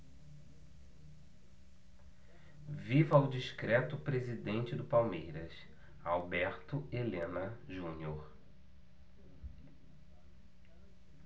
viva o discreto presidente do palmeiras alberto helena junior